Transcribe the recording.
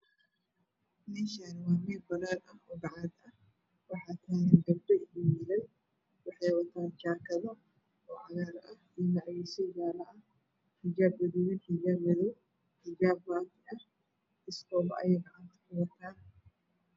Meshan waa mel banan ah oo bacad ah waxa tagan gabdho io wll waxey watan jakado oo cagar ah io macawis jale ah xijab gaduudn io xijab madow io xijab bati ah iskobo ayey gacanta kuwatan